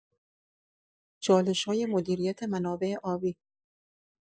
چالش‌های مدیریت منابع آبی